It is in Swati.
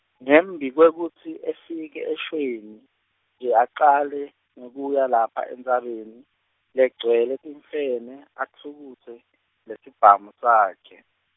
Ngembikwekutsi efike eShweni, nje acale, ngekuya lapha entsabeni, legcwele timfene atfukuse , lesibhamu sakhe.